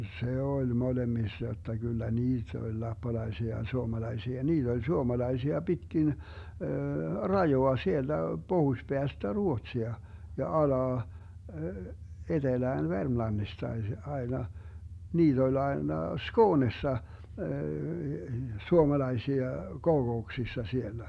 se oli molemmissa jotta kyllä niitä oli lappalaisia ja suomalaisia niitä oli suomalaisia pitkin rajaa sieltä pohjoispäästä Ruotsia ja alas etelään Vermlannistakin se aina niitä oli aina Skoonessa suomalaisia kokouksissa siellä